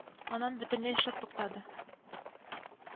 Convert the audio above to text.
Аннан бөтенләй шып туктады